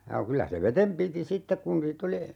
ja kyllä se veden piti sitten kun niitä oli